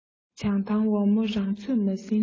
བྱང ཐང ཝ མོ རང ཚོད མ ཟིན ན